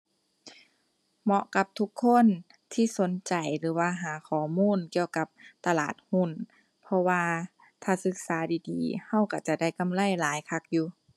เหมาะกับทุกคนที่สนใจหรือว่าหาข้อมูลเกี่ยวกับตลาดหุ้น เพราะว่าถ้าศึกษาดีดี เราเราจะได้กำไรหลายคักอยู่